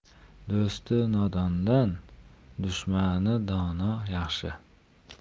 do'sti nodondan dushmani dono yaxshi